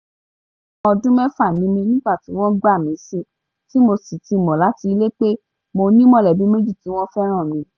Ọmọ ọdún mẹ́fà ni mí nígbà tí wọ́n gbà mí sìn tí mo sì ti mọ̀ láti ilẹ̀ pé mo ní mọ̀lẹ́bí méjì tí wọ́n fẹ́ràn mi.